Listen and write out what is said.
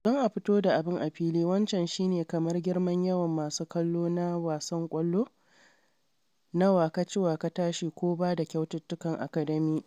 Don a fito da abin a fili, wancan shi ne kamar girman yawan masu kallo a wasan ƙwallo na wa ka ci ka tashi ko ba da Kyaututtukan Academy.